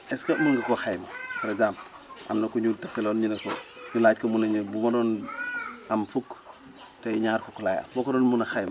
est ce que mën nga koo xayma par exemple am na ku ñu taseloon ñu ne ko ñu laaj ko mu ne ñu bu ma doon am fukk tey ñaar fukk laay am boo ko doon mën a xayma